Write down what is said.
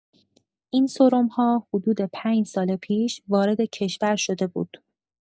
این سرم‌ها حدود پنج سال پیش وارد کشور شده بود.